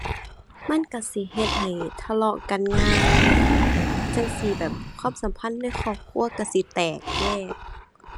มันก็สิเฮ็ดให้ทะเลาะกันง่าย จั่งซี้แบบความสัมพันธ์ในครอบครัวก็สิแตกแยก